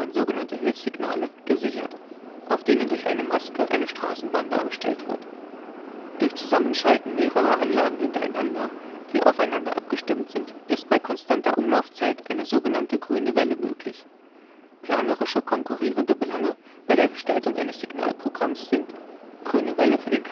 sogenannte Hilfssignale) gesichert, auf denen durch eine Maske eine Straßenbahn dargestellt wird. Durch Zusammenschalten mehrerer Anlagen hintereinander, die aufeinander abgestimmt sind, ist bei konstanter Umlaufzeit eine sogenannte „ grüne Welle “möglich. Planerische konkurrierende Belange bei der Gestaltung eines Signalprogramms sind: grüne Welle für den